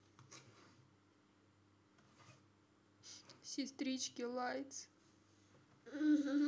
сестрички лайтс